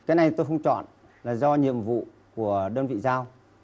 cái này tôi không chọn là do nhiệm vụ của đơn vị giao